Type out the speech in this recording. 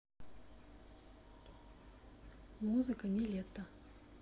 музыка niletto